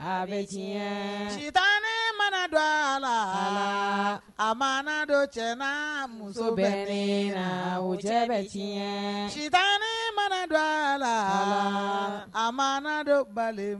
A bɛtiɲɛ, sitanɛ mana don a la, ala, a mana don cɛ n'a muso bɛnnen na u cɛ bɛ tiɲɛ, sitanɛ manna don a la, a man don balimaw ni ɲɔgɔn cɛ, a la, a mana don bali